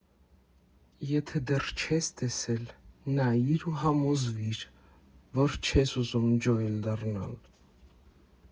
Եթե դեռ չես տեսել, նայիր ու համոզվիր, որ չես ուզում Ջոել դառնալ։